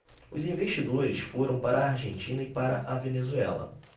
os investidores foram para a argentina e para a venezuela